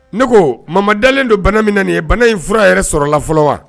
Ne ko mama dalen don bana min nin ye bana in fura yɛrɛ sɔrɔ la fɔlɔ wa